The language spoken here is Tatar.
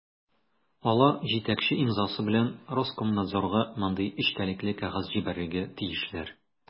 Алар җитәкче имзасы белән Роскомнадзорга мондый эчтәлекле кәгазь җибәрергә тиешләр: